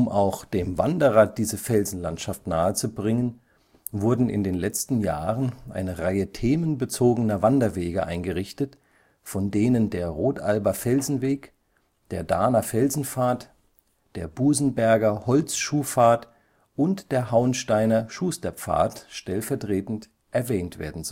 auch dem Wanderer diese Felsenlandschaft nahezubringen, wurden in den letzten Jahren eine Reihe themenbezogener Wanderwege eingerichtet, von denen der Rodalber Felsenweg, der Dahner Felsenpfad, der Busenberger Holzschuhpfad und der Hauensteiner Schusterpfad stellvertretend erwähnt werden